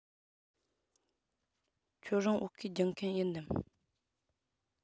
ཁྱོད རང བོད སྐད སྦྱོང མཁན ཡིན ནམ